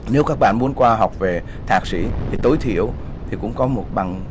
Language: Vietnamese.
nếu các bạn muốn qua học về thạc sĩ thì tối thiểu thì cũng có một bằng